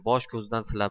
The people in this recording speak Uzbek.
bosh ko'zidan silab